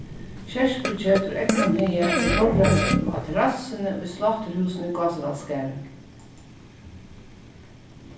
skerpikjøt úr egnum haga er borðreitt á terrassuni í sláturhúsinum í gásadalsgarði